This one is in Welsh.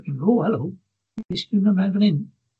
'Dach chi'n mynd, o 'elo, be sy'n mynd ymlaen fyn 'yn?